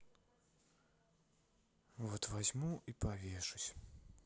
вот возьму и повешусь